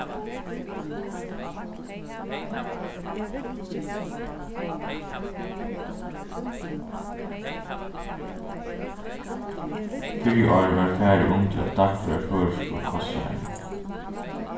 fyrr í ár varð farið undir at dagføra føroysku kostráðini